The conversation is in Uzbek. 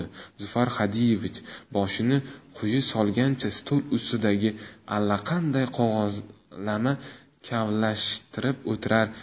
zufar xodiyevich boshini quyi solgancha stol ustidagi allaqanday qog'ozlami kavlashtirib o'tirar